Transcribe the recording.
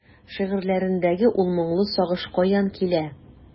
Шигырьләреңдәге ул моңлы сагыш каян килә?